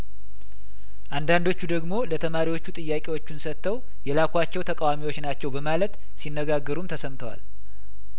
አንዳንዶቹ ደግሞ ለተማሪዎቹ ጥያቄዎቹን ሰጥተው የላኩዋቸው ተቃዋሚዎች ናቸው በማለት ሲነጋገሩም ተሰምተዋል